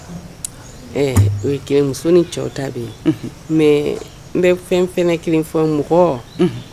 ƐƐ,o ye 1 ye, muso ni cɛw ta bɛ yen; unhun; mais n bɛ fɛn fɛn kelen fɔ, mɔgɔ